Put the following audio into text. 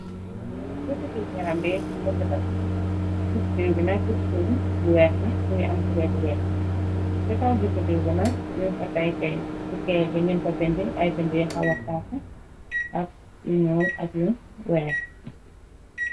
Guut dii yarambe ñu ko todal gut diw bi na gëtu gu bu weex ne mangi am cireebu weex te taw gutt diw bi nak ñu fatayke ci keet giñu fa dendi ay bind yu xawa faaxe ak yu ñuol ak yu weef.